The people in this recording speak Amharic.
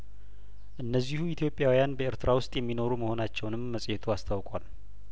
እነዚሁ ኢትዮጵያዊያን በኤርትራ ውስጥ የሚኖሩ መሆናቸውንም መጽሄቱ አስታውቋል